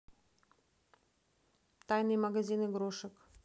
тайный магазин игрушек